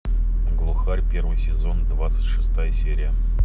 глухарь первый сезон двадцать шестая серия